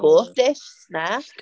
A Scottish snack.